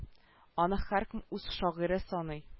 Аны һәркем үз шагыйре саный